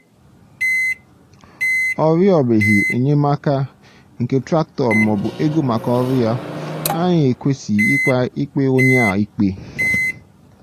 Ọ rịọbeghị enyemaka nke traktọ ma ọ bụ ego maka ọrụ ya. Anyị ekwesịghị ikpe onye a ikpe.